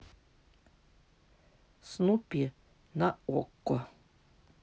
снупи на окко